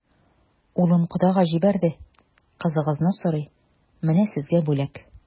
Улым кодага җибәрде, кызыгызны сорый, менә сезгә бүләк.